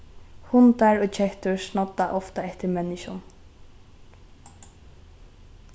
hundar og kettur snodda ofta eftir menniskjum